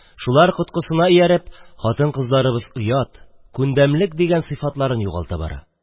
Шулар коткысына ияреп, хатын-кызларыбыз оят, күндәмлек дигән сыйфатларын югалта барадыр.